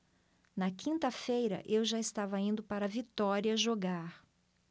na quinta-feira eu já estava indo para vitória jogar